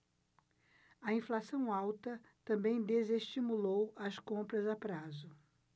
a inflação alta também desestimulou as compras a prazo